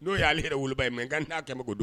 No yale yɛrɛ woloba ye. mais n ta kɛ ko don